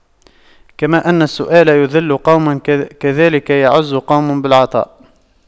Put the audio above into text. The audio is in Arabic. كما أن السؤال يُذِلُّ قوما كذاك يعز قوم بالعطاء